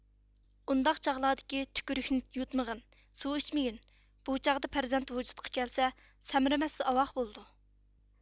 ئۇنداق چاغلاردا تۈكۈرۈكنى يۇتمىغىن سۇ ئىچمىگىن بۇچاغدا پەرزەنت ۋۇجۇدقا كەلسە سەمرىمەس ئاۋاق بولىدۇ